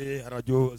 Ee radio